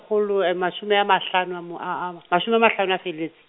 kgolo e mashome a mahlano a mo a a m-, mashome a mahlano a feletse.